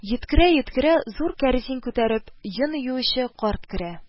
Йөткерә-йөткерә, зур кәрзин күтәреп, йон юучы карт керә